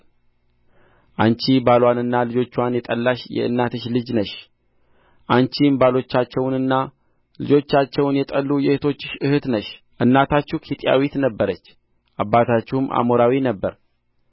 አንቺ ባልዋንና ልጆችዋን የጠላሽ የእናትሽ ልጅ ነሽ አንቺም ባሎቻቸውንና ልጆቻቸውን የጠሉ የእኅቶችሽ እኅት ነሽ እናታችሁ ኬጢያዊት ነበረች አባታችሁም አሞራዊ ነበረ